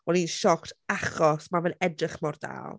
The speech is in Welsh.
O'n i'n shocked achos ma' fe'n edrych mor dal.